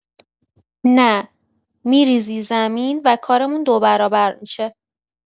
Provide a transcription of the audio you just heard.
نه، می‌ریزی زمین و کارمون دو برابر می‌شه.